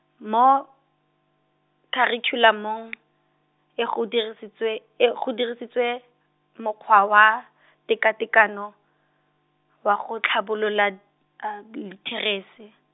mo, kharikhulamong, e go dirisitswe, e go dirisitswe, mokgwa wa , tekatekano, wa go tlhabolola , di litheresi.